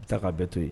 Bɛ taa k'a bɛɛ to ye